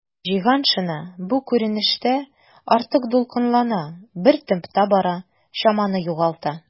Җиһаншина бу күренештә артык дулкынлана, бер темпта бара, чаманы югалта.